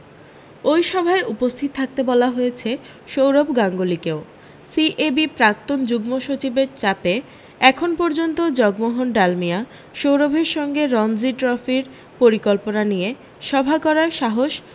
ওই সভায় উপস্থিত থাকতে বলা হয়েছে সৌরভ গাঙ্গুলিকেও সিএবি প্রাক্তন যুগ্ম সচিবের চাপে এখন পর্যন্ত জগমোহন ডালমিয়া সৌরভের সঙ্গে রনজি ট্রফির পরিকল্পনা নিয়ে সভা করার সাহস